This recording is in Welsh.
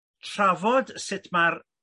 trafod sut ma'r